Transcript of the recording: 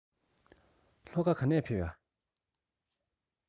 ལྷོ ཁ ག ནས ཕེབས པ